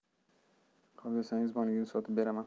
xo'p desangiz molingizni sotib beraman